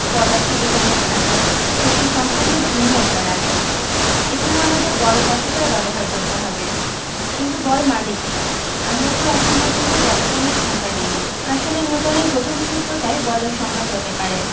পদার্থবিজ্ঞানের ভাষায় শক্তি সম্পূর্ণ ভিন্ন একটা রাশি এখানে আমাদের বল কথাটাই ব্যবহার করতে হবে কিন্তু বল মানে কী আমরা তো এখন পর্যন্ত বলের কোনো সংজ্ঞা দিইনি আসলে নিউটনের প্রথম সূত্রটাই বলের সংজ্ঞা হতে পারে